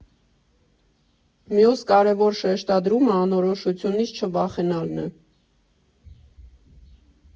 Մյուս կարևոր շեշտադրումը՝ անորոշությունից չվախենալն է։